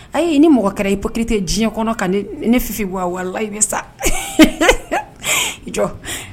Ayiii ni mɔgɔ kɛra hypocrite ye diɲɛ kɔnɔ ka ne ne Fifi bɔ walayi i bɛ sa i jɔ.